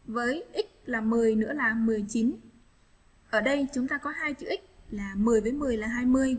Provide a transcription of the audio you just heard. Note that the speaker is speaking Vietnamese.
với x là nữa là ở đây chúng ta có hai chữ là đến là